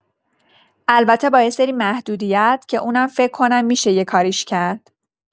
البته با یه سری محدودیت که اونم فکر کنم می‌شه یه کاریش کرد.